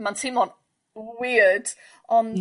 ma'n teimo'n weird ond...